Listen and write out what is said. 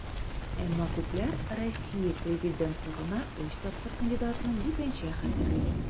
Әмма күпләр Россия президентлыгына өч тапкыр кандидатны бүтәнчә хәтерли.